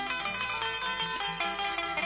San yo